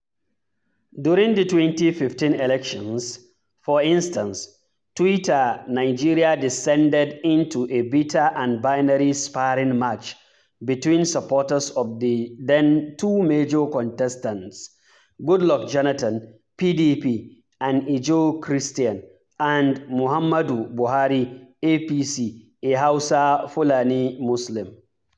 During the 2015 elections, for instance, Twitter Nigeria descended into a bitter and binary sparring match between supporters of the then-two major contestants, Goodluck Jonathan (PDP, an Ijaw Christian) and Muhammadu Buhari (APC, a Hausa, Fulani Muslim).